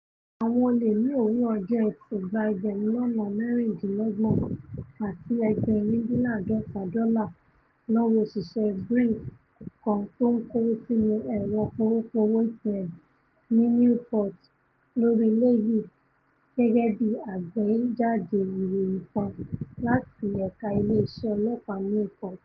Àwọn olè ní òwúrọ̀ ọjọ́ Ẹti gba ẹgbẹ́rùn lọ́nà mẹ́rìndínlọ́gbọ̀n àti ẹgbẹ̀rindíńlá́àádọ́ta dọ́là lọ́wọ́ òṣìṣẹ́ Brink kan tó ńkówó sínú ẹ̀rọ pọwó-pọwó ATM ní Newport lórí Levee, gẹ́gẹ́ bí àgbéjáde ìròyìn kan láti Ẹ̀ka Ilé iṣẹ́ Ọlọ́ọ̀pá Newport.